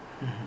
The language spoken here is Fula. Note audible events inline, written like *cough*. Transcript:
*hesitation* *hesitation* i